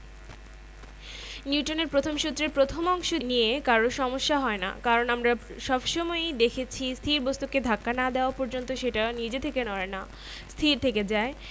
বস্তুর গতির উপর ঘর্ষণের প্রভাব বিশ্লেষণ করতে পারব ঘর্ষণ হ্রাস বৃদ্ধি করার উপায় ব্যাখ্যা করতে পারব আমাদের জীবনে ঘর্ষণের ইতিবাচক প্রভাব বিশ্লেষণ করতে পারব